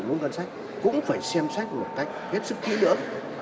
vốn ngân sách cũng phải xem xét một cách hết sức kỹ lưỡng